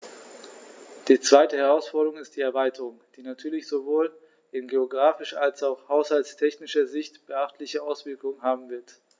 Die zweite Herausforderung ist die Erweiterung, die natürlich sowohl in geographischer als auch haushaltstechnischer Sicht beachtliche Auswirkungen haben wird.